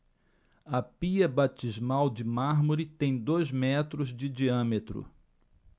a pia batismal de mármore tem dois metros de diâmetro